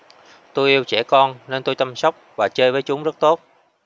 tôi yêu trẻ con nên tôi chăm sóc và chơi với chúng rất tốt